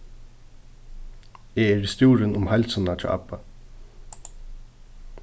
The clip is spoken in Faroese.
eg eri stúrin um heilsuna hjá abba